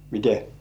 miten